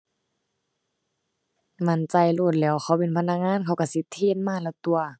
มั่นใจโลดแหล้ว เขาเป็นพนักงานเขาก็สิเทรนมาแล้วตั่ว